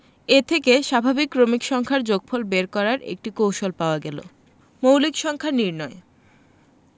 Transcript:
এ থেকে স্বাভাবিক ক্রমিক সংখ্যার যোগফল বের করার একটি কৌশল পাওয়া গেল মৌলিক সংখ্যা নির্ণয়